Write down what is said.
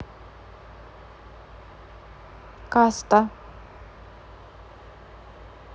каста